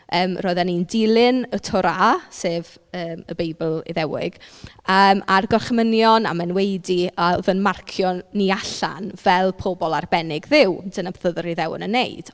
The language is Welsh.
Yym "roedden ni'n dilyn y Torah" sef yy y beibl Iddewig yym "a'r gorchmynion am enwaedu a oedd yn marcio ni allan fel pobl arbennig Dduw." Dyna beth oedd yr Iddewon yn wneud.